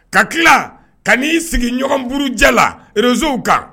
Ka tila ka'i sigiɲɔgɔnurujɛ la rezw kan